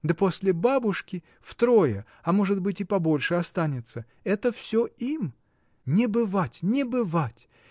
Да после бабушки втрое, а может быть и побольше, останется: это всё им! Не бывать, не бывать!